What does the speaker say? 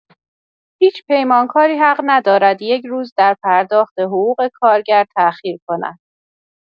هیچ پیمانکاری حق ندارد یک روز در پرداخت حقوق کارگر تاخیر کند.